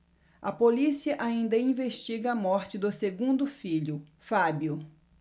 a polícia ainda investiga a morte do segundo filho fábio